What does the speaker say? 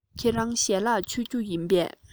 ཁྱེད རང ཞལ ལག མཆོད རྒྱུ བཟའ རྒྱུ ཡིན པས